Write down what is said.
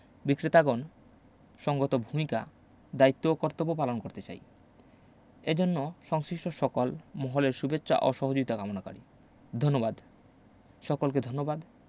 বিক্রেতাগণ সঙ্গত ভূমিকা দায়িত্ব ও কর্তব্য পালন করতে চাই সেজন্য সংশ্লিষ্ট সকল মহলের শুভেচ্ছা ও সহযোগিতা কামনা করি ধন্যবাদ সকলকে ধন্যবাদ